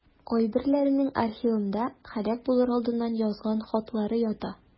Кайберләренең архивымда һәлак булыр алдыннан язган хатлары ята.